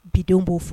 Bi denw b'o fo